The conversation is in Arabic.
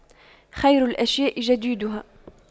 خير الأشياء جديدها